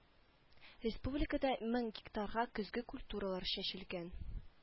Республикада мең гектарга көзге культуралар чәчелгән